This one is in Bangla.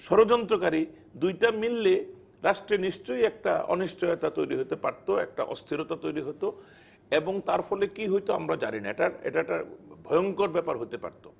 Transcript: ষড়যন্ত্রকারী দুইটা মিলে রাষ্ট্রে নিশ্চয়ই একটা অনিশ্চয়তা তৈরি হতে পারত একটা অস্থিরতা তৈরি হতো এবং তার ফলে কি হইত আমরা জানি না এটা একটা ভয়ঙ্কর ব্যাপার হইতে পারতো